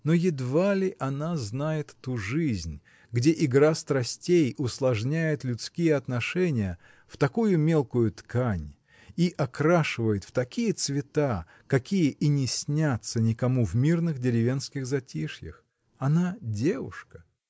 Но едва ли она знает ту жизнь, где игра страстей усложняет людские отношения в такую мелкую ткань и окрашивает в такие цвета, какие и не снятся никому в мирных деревенских затишьях. Она — девушка!